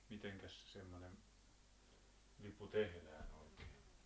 mitenkäs se semmoinen vipu tehdään oikein